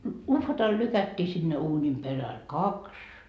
uhvatalla lykättiin sinne uunin perälle kaksi